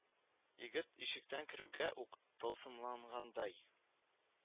Егет ишектән керүгә үк тылсымлангандай